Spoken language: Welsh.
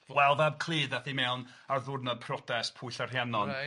Wel fab Clud ddaeth hi mewn ar ddiwrnod priodas Pwyll a Rhiannon... Reit.